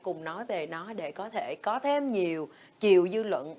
cùng nói về nó để có thể có thêm nhiều chiều dư luận